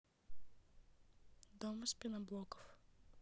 дом из пеноблоков